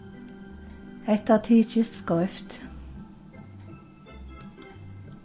hetta tykist skeivt